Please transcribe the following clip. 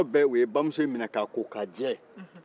o yɔrɔ bɛɛ o ye bamuso in minɛ k'a ko k'a jɛ